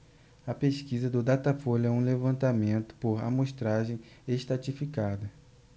a pesquisa do datafolha é um levantamento por amostragem estratificada